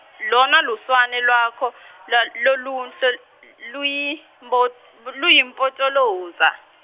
lona lona loluswane lwakhe lwa lwalulunse-, l- luyimbot- b- luyimpontolozana.